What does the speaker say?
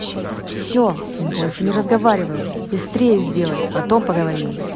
все больше не разговариваю быстрее сделай потом поговорим